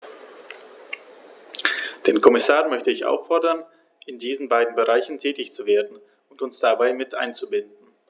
Den Kommissar möchte ich auffordern, in diesen beiden Bereichen tätig zu werden und uns dabei mit einzubinden.